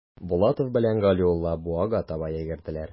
Булатов белән Галиулла буага таба йөгерделәр.